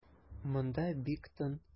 Монда бик тын.